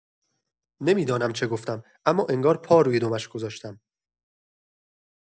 نمی‌دانم چه گفتم، اما انگار پا روی دمش گذاشتم!